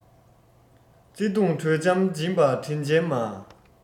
བརྩེ དུང དྲོད འཇམ སྦྱིན པའི དྲིན ཅན མ